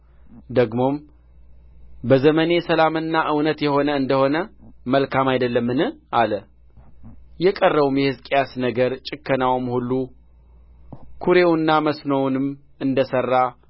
ደግሞም በዘመኔ ሰላምና እውነት የሆነ እንደ ሆነ መልካም አይደለምን አለ የቀረውም የሕዝቅያስ ነገር ጭከናውም ሁሉ ኵሬውንና መስኖውንም እንደ ሠራ